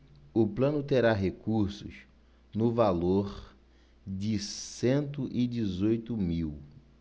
o plano terá recursos no valor de cento e dezoito mil